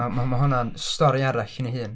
ma' ma' ma' honna'n stori arall yn ei hun.